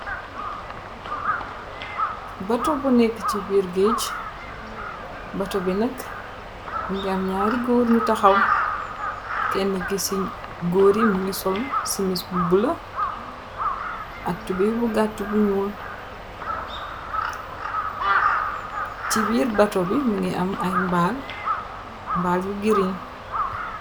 Bato bu nekk ci biir géej bato bi nakk ngi am ñyaari góor ñu taxaw kenn gi ci góore mingi sol simis bu bula attube bu gàttu bu ñyuul ci biir bato bi mingi am ay mbaal mbaal yu giriin.